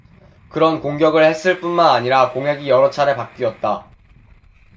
그런 공격을 했을 뿐만 아니라 공약이 여러 차례 바뀌었다